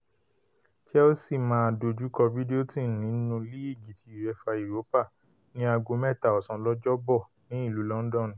Chelsea máa dojúkọ Videoton nínú Líìgi ti UEFA Europa ní aago mẹ́ta ọ̀sán lọ́jọ́ ‘Bọ̀ ní ìlú Lọndọnu.